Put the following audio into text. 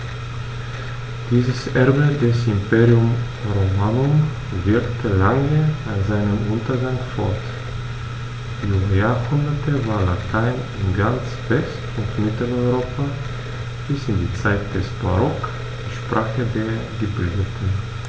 Dieses Erbe des Imperium Romanum wirkte lange nach seinem Untergang fort: Über Jahrhunderte war Latein in ganz West- und Mitteleuropa bis in die Zeit des Barock die Sprache der Gebildeten.